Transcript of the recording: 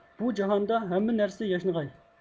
بۇ جاھاندا ھەممە نەرسە ياشنىغاي